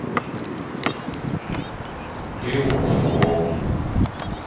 и ушел